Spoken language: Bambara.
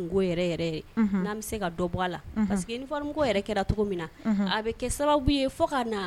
Min na kɛ sababu ye ye